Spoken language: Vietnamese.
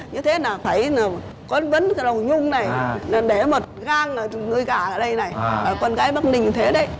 như thế là phải là con bấn hồng nhung này là để mà một gang nuôi gà ở đây này con gái bắc ninh nó thế đấy